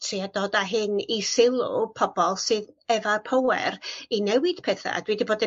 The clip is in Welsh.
tria dod a hyn i sylw pobol sydd efo'r pŵer i newid petha a dwi 'di bod yn